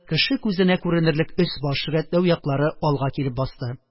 Кеше күзенә күренерлек өс-баш рәтләү яклары алга килеп басты